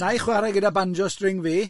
Nai chwarae gyda banjo string fi?